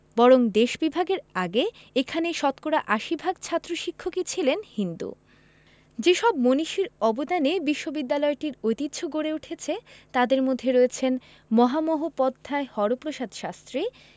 বরং দেশ বিভাগের আগে এখানে শতকরা ৮০% ছাত্র শিক্ষকই ছিলেন হিন্দু যেসব মনীষীর অবদানে বিশ্ববিদ্যালয়টির ঐতিহ্য গড়ে উঠেছে তাঁদের মধ্যে রয়েছেন মহামহোপাধ্যায় হরপ্রসাদ শাস্ত্রী